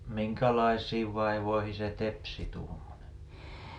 minkälaisiin vaivoihin se tepsi tuommoinen